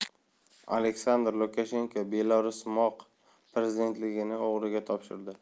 aleksandr lukashenko belarus moq prezidentligini o'g'liga topshirdi